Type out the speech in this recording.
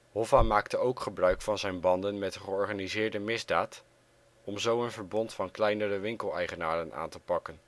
Hoffa maakte ook gebruik van zijn banden met de georganiseerde misdaad om zo een verbond van kleinere winkeleigenaren aan te pakken